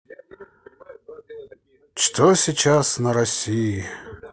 что сейчас на россии